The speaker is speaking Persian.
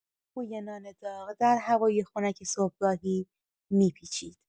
بوی نان داغ در هوای خنک صبحگاهی می‌پیچد.